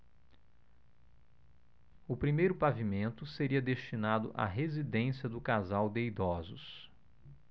o primeiro pavimento seria destinado à residência do casal de idosos